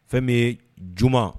Fɛn bɛ j